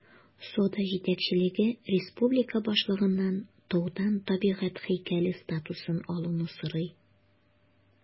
Сода җитәкчелеге республика башлыгыннан таудан табигать һәйкәле статусын алуны сорый.